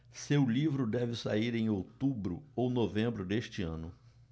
seu livro deve sair em outubro ou novembro deste ano